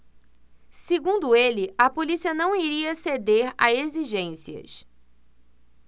segundo ele a polícia não iria ceder a exigências